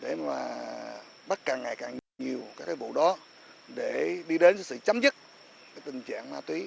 để mà bắt càng ngày càng nhiều các cái vụ đó để đi đến sự chấm dứt cái tình trạng ma túy